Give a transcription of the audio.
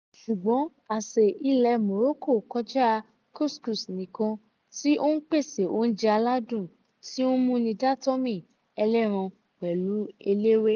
Ṣùgbọ́n àsè ilẹ̀ Morocco kọjá couscous nìkan, tí ó ń pèsè oúnjẹ aládùn tí ó ń múni dátọ́ mì, ẹlẹ́ran pẹ̀lú eléwé.